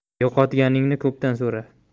yo'qotganingni ko'pdan so'ra